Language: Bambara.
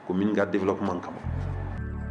Ko mini ka deli kuma kama